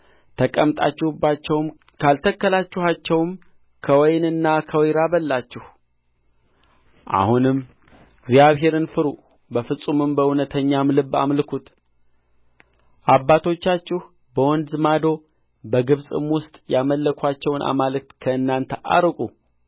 ተቀመጣችሁባቸውም ካልተከላችኋቸውም ከወይንና ከወይራ በላችሁ አሁንም እግዚአብሔርን ፍሩ በፍጹምም በእውነተኛም ልብ አምልኩት አባቶቻችሁም በወንዝ ማዶ በግብፅም ውስጥ ያመለኩአቸውን አማልክት ከእናንተ አርቁ